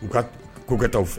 U ka k ko kɛtaw fɛ